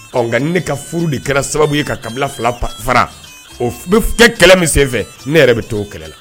Ɔ nka ne ka furu de kɛra sababu ye ka kabila fila pa faga o kɛlɛ min sen fɛ ne yɛrɛ bɛ to o kɛlɛ la